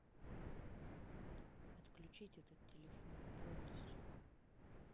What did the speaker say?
отключить этот телефон полностью